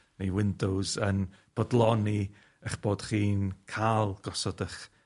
neu Windows yn bodloni 'ych bod chi'n ca'l gosod 'ych